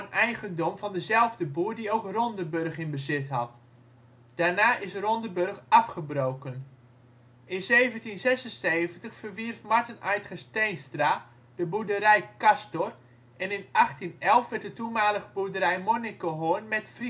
eigendom van dezelfde boer die ook Rondenbörg in bezit had. Daarna is Rondenbörg afgebroken. In 1776 verwierf Marten Aedsges Teenstra de boerderij Castor en in 1811 werd de toenmalige boerderij Monnikehorn met